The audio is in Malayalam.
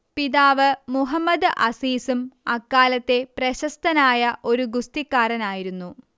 പിതാവ് മുഹമ്മദ് അസീസും അക്കാലത്തെ പ്രശസ്തനായ ഒരു ഗുസ്തിക്കാരനായിരുന്നു